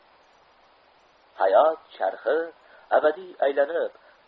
hayot charxi abadiy aylanib